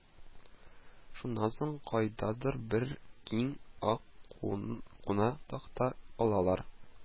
Шуннан соң кайдандыр бер киң ак куна такта алалар